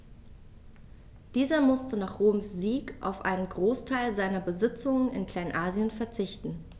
Dieser musste nach Roms Sieg auf einen Großteil seiner Besitzungen in Kleinasien verzichten.